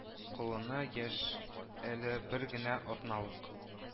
– колыны яшь әле, бер генә атналык